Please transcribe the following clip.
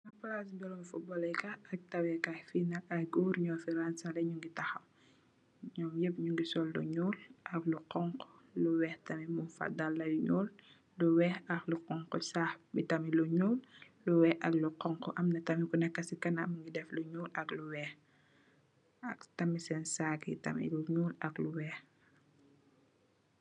There's a field for running and for playing football. There are men wearing black, white and red clothes standing there holding their bags.